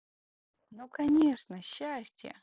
ну конечно счастье